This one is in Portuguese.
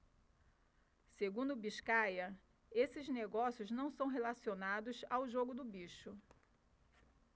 segundo biscaia esses negócios não são relacionados ao jogo do bicho